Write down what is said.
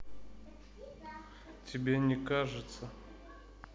тебе не кажется